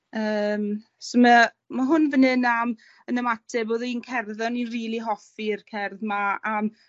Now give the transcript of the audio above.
yym so ma', ma' hwn fyn 'yn am, yn ymateb odd un cerdd o'n i rili hoffi'r cerdd 'ma am